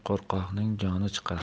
qo'rqoqning joni chiqar